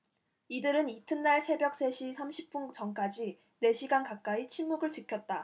이들은 이튿날 새벽 세 시 삼십 분까지 네 시간 가까이 침묵을 지켰다